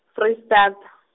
Foreistata.